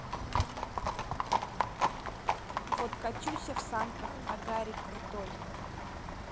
вот качуся в санках агари крутой